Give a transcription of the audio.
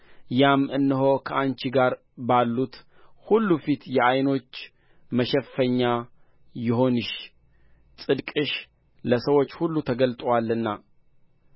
ያም እነሆ ከአንቺ ጋር ባሉት ሁሉ ፊት የዓይኖች መሸፈኛ ይሁንሽ ጽድቅሽ ለሰዎች ሁሉ ተገልጦአልና